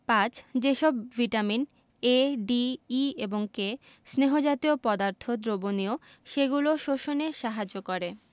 ৫. যে সব vitamin A D E এবং K স্নেহ জাতীয় পদার্থ দ্রবণীয় সেগুলো শোষণে সাহায্য করে